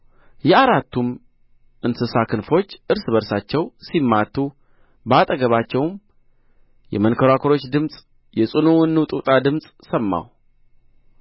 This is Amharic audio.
የአራቱም እንስሳ ክንፎች እርስ በርሳቸው ሲማቱ በአጠገባቸውም የመንኰራኵሮችን ድምፅ የጽኑውንም ንውጥውጥታ ድምፅ ሰማሁ